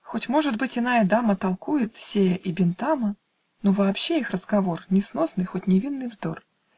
Хоть, может быть, иная дама Толкует Сея и Бентама, Но вообще их разговор Несносный, хоть невинный вздор